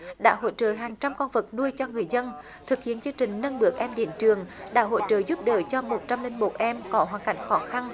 đã hỗ trợ hàng trăm con vật nuôi cho người dân thực hiện chương trình nâng bước em đến trường đã hỗ trợ giúp đỡ cho một trăm linh một em có hoàn cảnh khó khăn